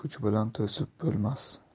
kuch bilan to'sib bo'lmas